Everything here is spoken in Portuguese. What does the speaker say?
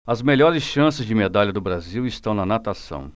as melhores chances de medalha do brasil estão na natação